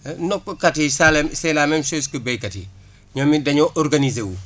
nappkat yi ça c' est la même chose que béykat yi ñoom it dañoo organiser wu